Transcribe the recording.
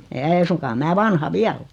ei suinkaan minä vanha vielä ole